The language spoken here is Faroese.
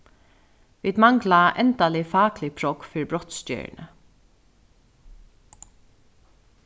vit mangla endalig faklig prógv fyri brotsgerðini